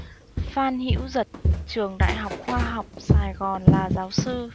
phan hữu dật trường đại học khoa học sài gòn là giáo sư